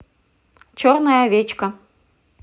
черная овечка